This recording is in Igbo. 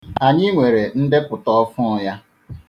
Anyị nwere ndepụta ọfụụ ya.